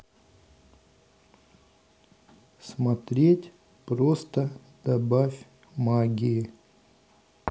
смотреть просто добавь магии